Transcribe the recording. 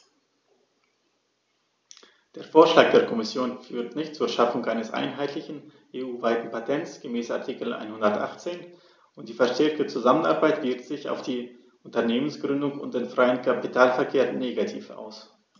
Der Vorschlag der Kommission führt nicht zur Schaffung eines einheitlichen, EU-weiten Patents gemäß Artikel 118, und die verstärkte Zusammenarbeit wirkt sich auf die Unternehmensgründung und den freien Kapitalverkehr negativ aus.